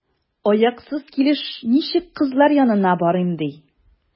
Аяксыз килеш ничек кызлар янына барыйм, ди?